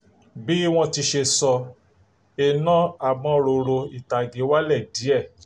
Bí wọ́n ti ṣe sọ, iná amọ́roro ìtàgé wálẹ̀ díẹ̀.